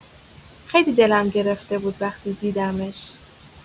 خیلی دلم گرفته بود وقتی دیدمش.